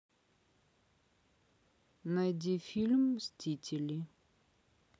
найди фильм мстители